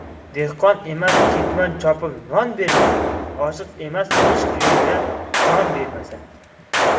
dehqon emas ketmon chopib non bermasa oshiq emas ishq yo'lida jon bermasa